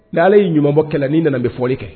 N'ale y ye ɲumanumanbɔ kɛlɛ ni nana bɛ fɔli kɛ